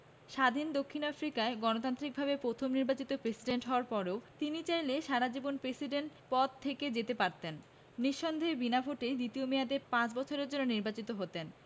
স্বাধীন দক্ষিণ আফ্রিকায় গণতান্ত্রিকভাবে প্রথম নির্বাচিত প্রেসিডেন্ট হওয়ার পর তিনি চাইলে সারা জীবন প্রেসিডেন্ট পদে থেকে যেতে পারতেন নিঃসন্দেহে বিনা ভোটে দ্বিতীয় মেয়াদে পাঁচ বছরের জন্য নির্বাচিত হতেন